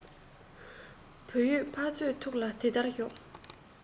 བུ ཡོད ཕ ཚོ ཐུགས ལ དེ ལྟར ཞོག